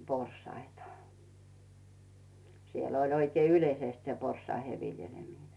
porsaita siellä oli oikein yleisesti se porsaiden viljeleminen